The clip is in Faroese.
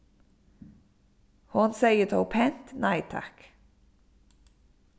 hon segði tó pent nei takk